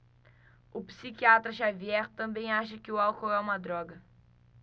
o psiquiatra dartiu xavier também acha que o álcool é uma droga